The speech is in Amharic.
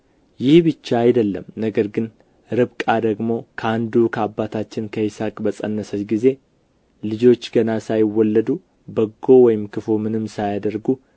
ይህ ብቻ አይደለም ነገር ግን ርብቃ ደግሞ ከአንዱ ከአባታችን ከይስሐቅ በፀነሰች ጊዜ ልጆቹ ገና ሳይወለዱ በጎ ወይም ክፉ ምንም ሳያደርጉ